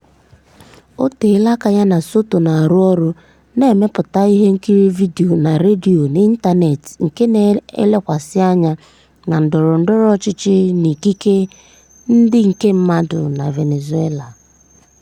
O teela aka ya na Soto na-arụ ọrụ na-emepụta ihe nkiri vidio na redio n'ịntaneetị nke na-elekwasị anya na ndọrọ ndọrọ ọchịchị na ikike ndị nke mmadụ na Venezuela.